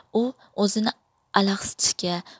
u o'zini alahsitishga